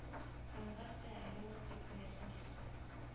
Сәнгать тә әле ул бик беләсең килсә